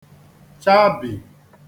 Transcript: chabì